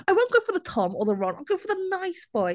I won't go for the Tom or the Ron, I'll go for the nice boy.